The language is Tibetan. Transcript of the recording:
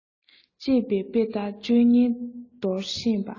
ཅེས པའི དཔེ ལྟར སྤྱོད ངན འདོར ཤེས པ